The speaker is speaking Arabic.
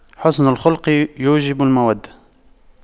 حُسْنُ الخلق يوجب المودة